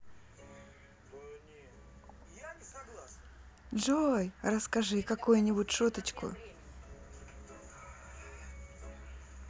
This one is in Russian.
джой расскажи какую нибудь шуточку